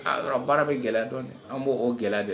Ka sɔrɔ baara bɛ gɛlɛya dɔnni . An bo o gɛlɛya de